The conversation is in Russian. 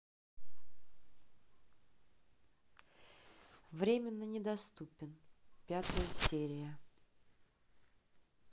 временно недоступен пятая серия